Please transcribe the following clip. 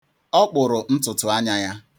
Ọ kpụrụ ntụ̀tụ̀anya ya.